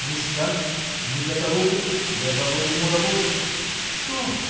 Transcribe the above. не станет: не до того будет: я задал ему работу. – Что?